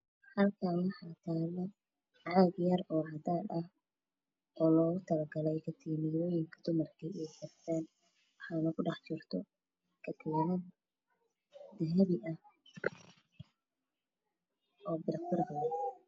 Halkan waxaa caag cadaan logu dhax jirto makiinad dahabi ah